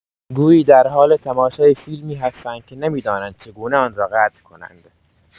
گویی در حال تماشای فیلمی هستند که نمی‌دانند چگونه آن را قطع کنند.